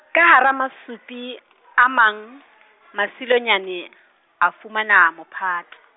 ka hara masupi , a mang, Masilonyane, a fumana, mophata.